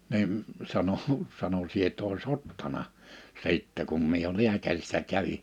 niin sanoi sanoi sinä et olisi ottanut sitten kun minä jo lääkärissä kävin